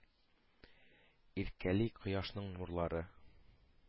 Иркәли кояшның нурлары.